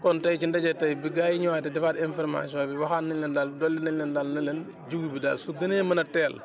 kon tey ci ndaje tey bi gaa yi ñëwaatee di defaat informaton bi waxaat nañ leen daal dolli nañ leen daal ne leen jiwu bi daal su gënee mën a teel